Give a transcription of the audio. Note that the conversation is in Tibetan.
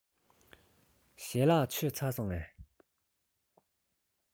ཞལ ལག ཁ ལག མཆོད བཞེས ཚར སོང ངས